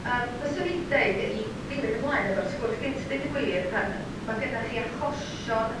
Yym fyswn i deud i dilyn ymlaen efo'r sgwrs gynt deud y gwir pan ma' gynnach chi achosion